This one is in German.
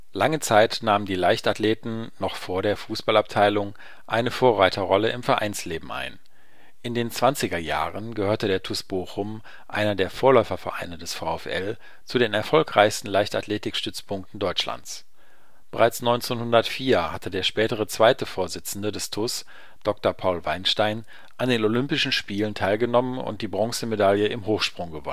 Lange Zeit nahmen die Leichtathleten, noch vor der Fußballabteilung, eine Vorreiterrolle im Vereinsleben ein. In den 20er Jahren gehörte der TuS Bochum, einer der Vorläufervereine des VfL, zu den erfolgreichsten Leichtathletikstützpunkten Deutschlands. Bereits 1904 hatte der spätere 2. Vorsitzende des TuS, Dr. Paul Weinstein, an den Olympischen Spielen teilgenommen und die Bronzemedaille im Hochsprung